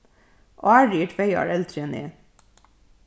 ári er tvey ár eldri enn eg